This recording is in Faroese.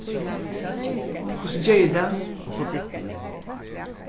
hvussu geri eg tað